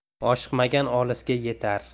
oshiqmagan olisga yetar